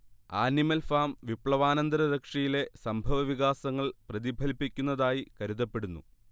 animal Farm വിപ്ലവാനന്തര റഷ്യയിലെ സംഭവവികാസങ്ങൾ പ്രതിഫലിപ്പിക്കുന്നതായി കരുതപ്പെടുന്നു